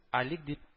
Алик дип